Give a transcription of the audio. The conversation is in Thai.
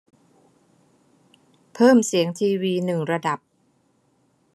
เพิ่มเสียงทีวีหนึ่งระดับ